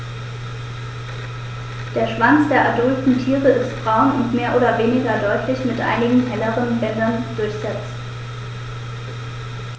Der Schwanz der adulten Tiere ist braun und mehr oder weniger deutlich mit einigen helleren Bändern durchsetzt.